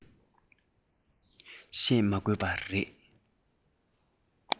བཤད མ དགོས པ རེད